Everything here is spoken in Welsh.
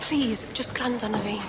Plîs jyst gwrando arno fi.